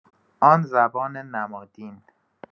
آن زبان نمادین